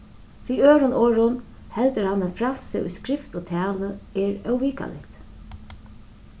við øðrum orðum heldur hann at frælsið í skrift og talu er óvikaligt